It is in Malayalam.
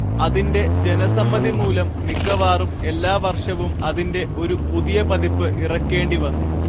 അതിന്റെ ജനസമ്മതിമൂലം മിക്കവാറും എല്ലാവർഷവും അതിന്റെ ഒരു പുതിയപതിപ്പ് ഇറക്കേണ്ടിവന്നു